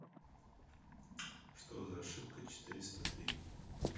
что за ошибка четыреста три